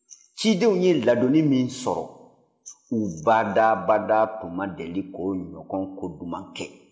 cidenw ye ladonni min sɔrɔ u badaabadaa tun ma deli k'o ɲɔgɔn ko dumanw kɛ